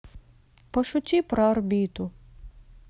пошути про орбиту